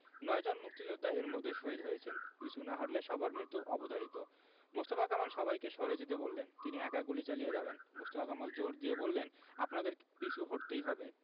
নয়জন মুক্তিযোদ্ধা এর মধ্যেই শহিদ হয়েছেন পিছু না হটলে সবার মৃত্যু অবধারিত মোস্তফা কামাল সবাইকে সরে যেতে বললেন তিনি একা গুলি চালিয়ে যাবেন মোস্তফা কামাল জোর দিয়ে বললেন আপনাদের পিছু হটতেই হবে